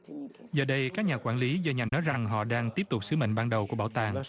giờ đây các nhà quản lý do nhằm nói rằng họ đang tiếp tục sứ mệnh ban đầu của bảo tàng